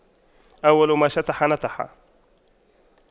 أول ما شطح نطح